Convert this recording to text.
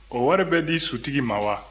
o wari bɛ di sutigi ma wa